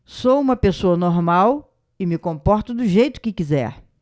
sou homossexual e me comporto do jeito que quiser